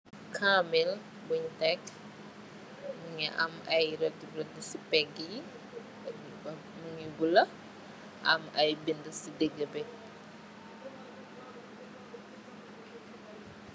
kha mil bunj tek mungi am ai rad rad ci bekibi, mungi bule am ai bindi ci digibi.